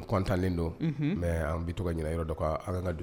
Kɔntanlen don mɛ an bi to ɲinin yɔrɔ dɔ ka ala ka don